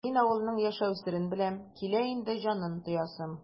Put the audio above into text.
Мин авылның яшәү серен беләм, килә инде җанын тоясым!